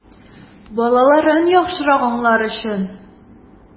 Балаларын яхшырак аңлар өчен!